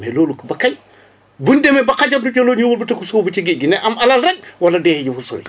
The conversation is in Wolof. mais loolu ba kañ buñ demee ba xajatuñ la ñuy wëlbatiku sóobu ci géej gi ne am alal rek wala dee ñu suul